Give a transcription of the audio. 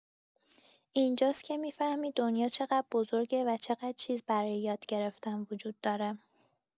اینجاست که می‌فهمی دنیا چقدر بزرگه و چقدر چیز برای یاد گرفتن وجود داره.